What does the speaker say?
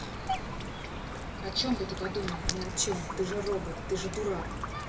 о чем бы ты подумал ни о чем ты же робот ты же дурак